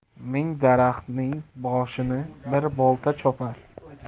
ming daraxtning boshini bir bolta chopar